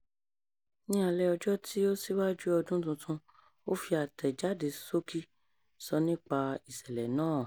Ní alẹ́ ọjọ́ tí ó ṣíwájú Ọdún Tuntun, ó fi àtẹ̀jáde ṣókí sọ nípa ìṣẹ̀lẹ̀ náà.